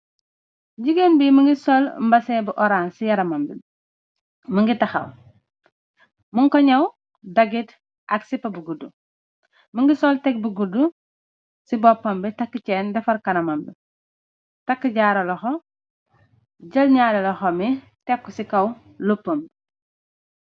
Gigain bi mungi sol mbazin bu horange ci yaramam bi, mungi taxaw, munko njaw dagit ak sipa bu gudue, mungi sol tek bu guddue ci boppam bi, takue chaine, defarr kanamam bi, takue jaarou lokhor, jeul njaari lokhom mi tek kor ci kaw lupam.